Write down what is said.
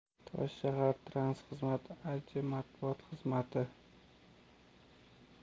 toshshahartransxizmat aj matbuot xizmati